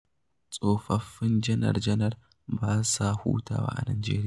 Tsofaffin janar-janar ba sa hutawa a Najeriya